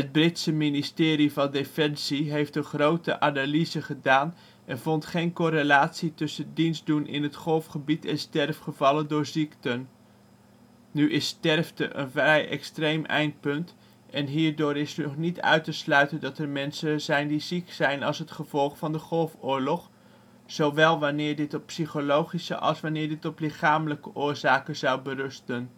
Britse ministerie van Defensie heeft een grote analyse gedaan en vond geen correlatie tussen dienstdoen in het Golfgebied en sterfgevallen door ziekten. Nu is sterfte een vrij extreem eindpunt en hierdoor is nog niet uit te sluiten dat er mensen zijn die ziek zijn als gevolg van de Golfoorlog, zowel wanneer dit op psychologische als wanneer dit op lichamelijke oorzaken zou berusten